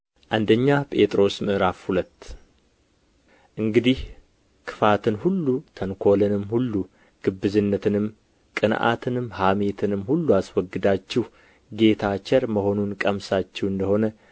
አንደኛ ጴጥሮስ ምዕራፍ ሁለት እንግዲህ ክፋትን ሁሉ ተንኰልንም ሁሉ ግብዝነትንም ቅንዓትንም ሐሜትንም ሁሉ አስወግዳችሁ ጌታ ቸር መሆኑን ቀምሳችሁ እንደ ሆነ